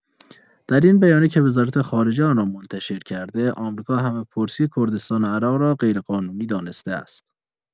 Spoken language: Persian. در این بیانیه که وزارت‌خارجه آن را منتشر کرده، آمریکا همه‌پرسی کردستان عراق را غیرقانونی دانسته است.